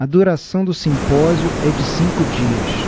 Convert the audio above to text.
a duração do simpósio é de cinco dias